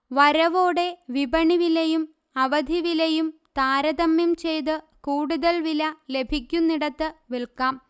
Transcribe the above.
വരവോടെ വിപണി വിലയും അവധി വിലയും താരതമ്യം ചെയ്ത് കൂടുതൽ വില ലഭിക്കുന്നിടത്ത് വില്ക്കാം